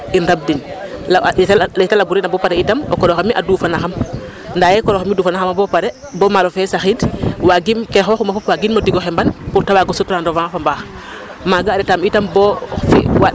Um rabdin la, a ye ta rabourer na bo paré itam kor oxe mi a duufanaxam ;ndaa yee kor oxe mi duufanaxama bo pare bo maalo fe saxiid waagiim ke xooxuma fop waagiim o diko xemban pour ta waag o sut rendement fa mbaax .